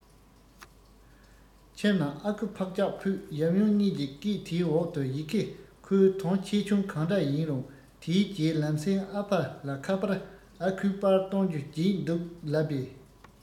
ཁྱིམ ནང ཨ ཁུ ཕག སྐྱག ཕུད ཡབ ཡུམ གཉིས ཀྱི སྐད དེའི འོག ཏུ ཡི གེ ཁོས དོན ཆེ ཆུང གང འདྲ ཡིན རུང དེའི རྗེས ལམ སེང ཨ ཕ ལ ཁ པར ཨ ཁུས པར བཏོན རྒྱུ བརྗེད འདུག ལབ པས